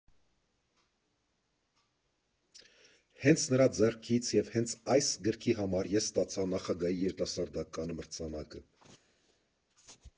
Հենց նրա ձեռքից և հենց այս գրքի համար ես ստացա Նախագահի երիտասարդական մրցանակը։